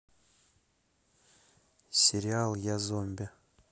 сериал я зомби